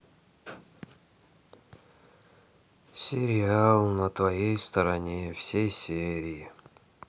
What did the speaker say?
сериал на твоей стороне все серии